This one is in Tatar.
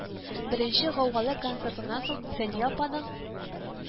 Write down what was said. Беренче гаугалы концертыннан соң фәния апаның